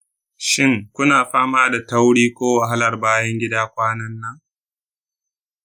shin kuna fama da tauri ko wahalar bayan gida kwanan nan?